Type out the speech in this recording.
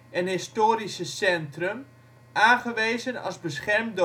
en historische centrum aangewezen als beschermd